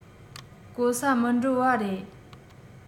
བཀོལ ས མི འགྲོ པ རེད